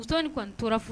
Muso ni kɔni tɔɔrɔɔrɔ furu